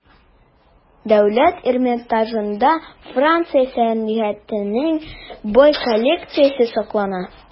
Дәүләт Эрмитажында Франция сәнгатенең бай коллекциясе саклана.